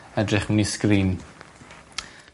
edrych mewn i sgrin.